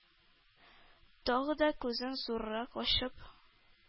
Тагы да күзен зуррак ачып,